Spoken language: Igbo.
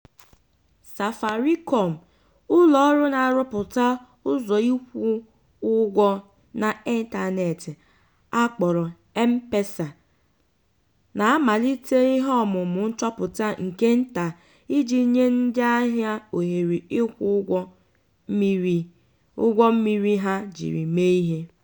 Safaricom, ụlọ ọrụ na-arụpụta ụzọ ịkwụ ụgwọ n'ịtanetị akpọrọ M-Pesa, na-amalite ihe ọmụmụ nchọpụta nke nta iji nye ndị ahịa ohere ịkwụ ụgwọ mmiri ha jiri mee ihe.